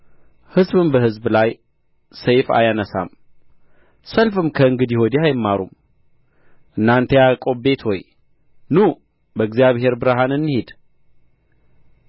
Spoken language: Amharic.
ሕዝብም በሕዝብ ላይ ሰይፍ አያነሣም ሰልፍም ከእንግዲህ ወዲህ አይማሩም እናንተ የያዕቆብ ቤት ሆይ ኑ በእግዚአብሔር ብርሃን እንሂድ